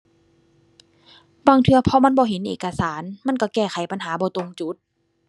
บางเทื่อพอมันบ่เห็นเอกสารมันก็แก้ไขปัญหาบ่ตรงจุด